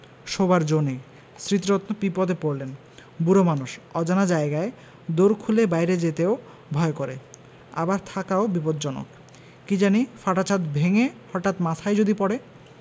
শোবার জো নেই স্মৃতিরত্ন বিপদে পড়লেন বুড়ো মানুষ অজানা জায়গায় দোর খুলে বাইরে যেতেও ভয় করে আবার থাকাও বিপজ্জনক কি জানি ফাটা ছাত ভেঙ্গে হঠাৎ মাথায় যদি পড়ে